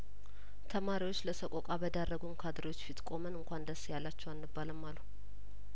ተማሪዎች ለሰቆቃ በዳረጉን ካድሬዎች ፊት ቆመን እንኳን ደስ ያላችሁ አንባልም አሉ